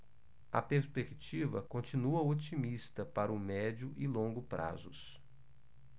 a perspectiva continua otimista para o médio e longo prazos